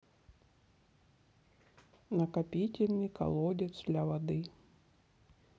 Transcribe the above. накопительный колодец для воды